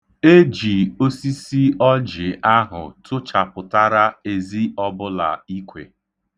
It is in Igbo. E ji osisi ọjị ahụ tụchapụtara ezi ọbụla ikwe.